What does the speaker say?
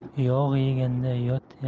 yog' yeganda yot